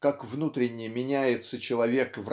как внутренне меняется человек